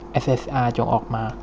เอสเอสอาร์จงออกมา